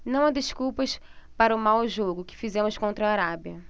não há desculpas para o mau jogo que fizemos contra a arábia